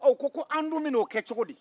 ɔɔ u ko an dun bɛn'o kɛ cogodi